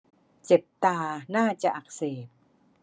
เจ็บตาน่าจะอักเสบ